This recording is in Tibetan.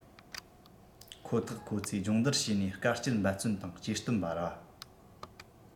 ཁོ ཐག ཁོ ཚོས སྦྱོང བརྡར བྱས ནས དཀའ སྤྱད འབད བརྩོན དང སྐྱེ སྟོབས འབར བ